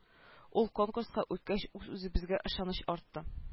Ул конкурска үткәч үз-үзебезгә ышаныч артты